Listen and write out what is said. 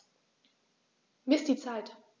Miss die Zeit.